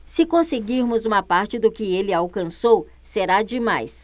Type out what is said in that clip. se conseguirmos uma parte do que ele alcançou será demais